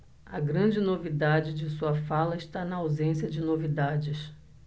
a grande novidade de sua fala está na ausência de novidades